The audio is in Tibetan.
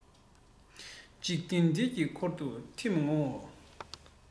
འཇིག རྟེན འདི ཡི འཁོར དུ ཐིམ ཡོང ངོ